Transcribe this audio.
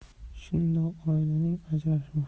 shundoq oilaning ajrashmoqchi